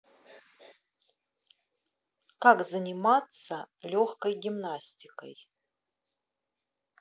как заниматься легкой гимнастикой